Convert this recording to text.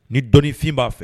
Ni dɔnnifin b'a fɛ